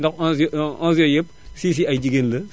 ndax 11 yi 11 yooyu yépp 6 yi ay jigéen la